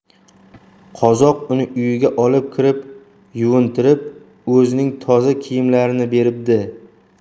qozoq uni uyiga olib kirib yuvintirib o'zining toza kiyimlarini beribdi